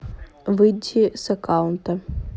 выйти с аккаунта